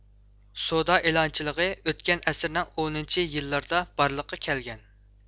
سودا ئېلانچىلىقى ئۆتكەن ئەسىرنىڭ ئونىنچى يىللىرىدا بارلىققا كەلگەن